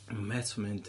A ma' mêt o'n mynd